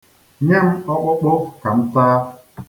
Nye m ọkpụkpụ ka m taa.